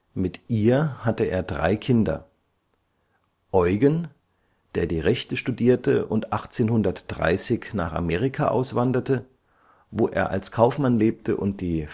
Mit ihr hatte er drei Kinder: Eugen (* 29. Juli 1811; † 4. Juli 1896), der die Rechte studierte und 1830 nach Amerika auswanderte, wo er als Kaufmann lebte und die